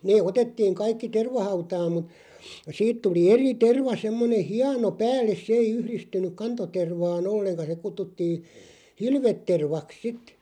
ne otettiin kaikki tervahautaan mutta siitä tuli eri terva semmoinen hieno päälle se ei yhdistynyt kantotervaan ollenkaan se kutsuttiin hilvetervaksi sitten